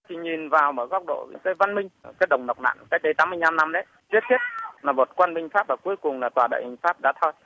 nhìn vào góc độ văn minh đồng nọc nạng cách đây tám mươi nhăm năm đấy là bật quan binh pháp ở cuối cùng là tòa đại hình pháp đã thôi